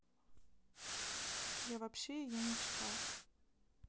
я вообще ее не читал